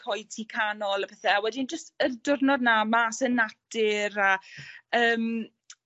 Coed Tŷ Canol a pethe a wedyn jyst yr diwrnod 'na mas yn natur a yym